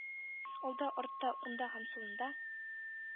Алда, артта, уңда һәм сулымда